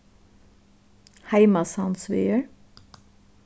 heimasandsvegur